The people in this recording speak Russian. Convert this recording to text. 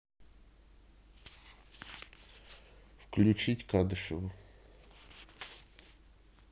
включить кадышеву